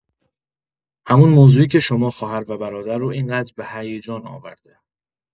همون موضوعی که شما خواهر و برادر رو این‌قدر به هیجان آورده.